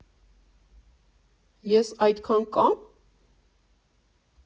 Ես այդքան կա՞մ։